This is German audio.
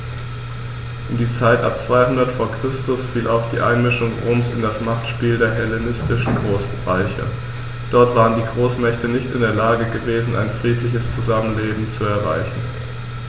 In die Zeit ab 200 v. Chr. fiel auch die Einmischung Roms in das Machtspiel der hellenistischen Großreiche: Dort waren die Großmächte nicht in der Lage gewesen, ein friedliches Zusammenleben zu erreichen.